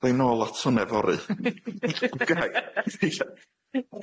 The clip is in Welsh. Ddoi nôl at hwnna fory. ceisiau. Diolch.